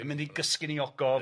...yn myn' i gysgu yn 'i ogof.